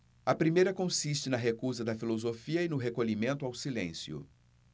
a primeira consiste na recusa da filosofia e no recolhimento ao silêncio